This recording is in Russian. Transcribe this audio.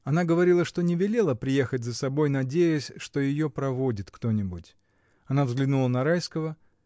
Она говорила, что не велела приехать за собой, надеясь, что ее проводит кто-нибудь. Она взглянула на Райского.